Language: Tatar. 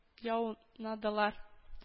Яунадылар